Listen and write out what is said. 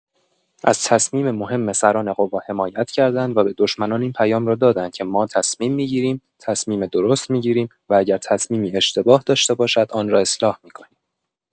از تصمیم مهم سران قوا حمایت کردند و به دشمنان این پیام را دادند که ما تصمیم می‌گیریم، تصمیم درست می‌گیریم و اگر تصمیمی اشتباه داشته باشد، آن را اصلاح می‌کنیم.